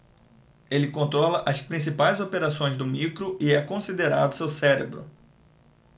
ele controla as principais operações do micro e é considerado seu cérebro